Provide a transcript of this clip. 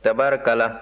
tabaarikala